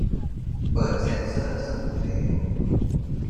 เปิดเซ็นเซอร์สบู่เหลว